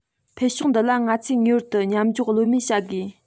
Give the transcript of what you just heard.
འཕེལ ཕྱོགས འདི ལ ང ཚོས ངེས པར དུ མཉམ འཇོག ལྷོད མེད བྱ དགོས